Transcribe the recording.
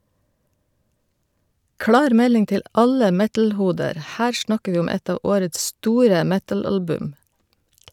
Klar melding til alle metalhoder; her snakker vi om ett av årets store metalalbum!